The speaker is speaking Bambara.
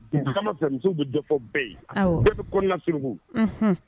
Dugu caman fɛmuso bɛ de bɛɛ ye bɛɛ bɛ konauruku